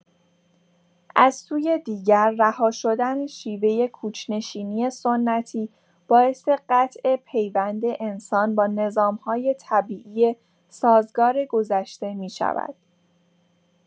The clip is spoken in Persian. از سوی دیگر، رها شدن شیوه کوچ‌نشینی سنتی، باعث قطع پیوند انسان با نظام‌های طبیعی سازگار گذشته می‌شود.